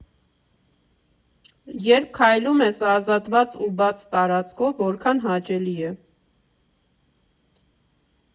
Երբ քայլում ես ազատված ու բաց տարածքով, որքա՜ն հաճելի է։